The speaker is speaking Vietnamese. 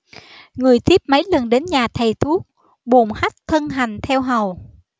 người thiếp mấy lần đến nhà thầy thuốc bồn hách thân hành theo hầu